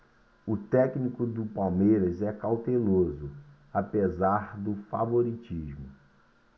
o técnico do palmeiras é cauteloso apesar do favoritismo